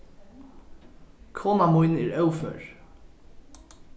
kona mín er ófør